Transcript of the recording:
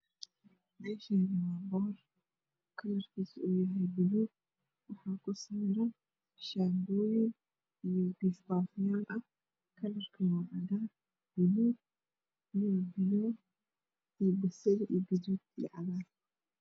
Meeshaani waa boor kalarkiisana wuu yahay baluug waxaa ku sawiram shaan booyin iyo biif baafyo ah kalarkana cagaar baluug iyo basali iyo gaduud iyo cagaar.